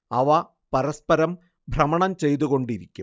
അവ പരസ്പരം ഭ്രമണം ചെയ്തുകൊണ്ടിരിക്കും